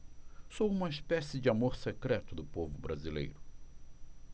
sou uma espécie de amor secreto do povo brasileiro